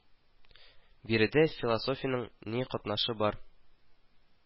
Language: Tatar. Биредә философиянең ни катнашы бар